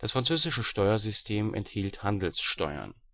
französische Steuersystem enthielt Handelssteuern